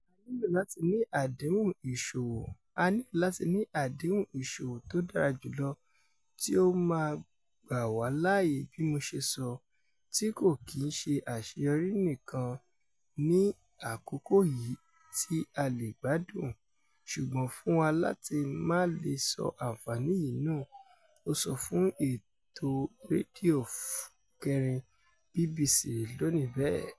"A nílò láti ní àdéhùn ìṣòwò. A nílò láti ní àdéhùn ìṣòwò tó dára jùlọ tí ó máa gbà wá láàyè bí mo ṣe sọ, tí kò kì í ṣe àṣeyọrí nìkán ní àkókò yì tí a lé gbàdún, ṣùgbọ́n fún wa láti má le sọ àǹfààní yìí nù,” ó sọ fún ètò rédíò 4 BBC Lónìí bẹ́ẹ̀.